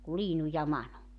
kuin Liinu ja Manu